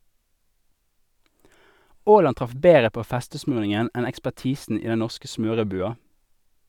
Aaland traff bedre på festesmurningen enn ekspertisen i den norske smørebua.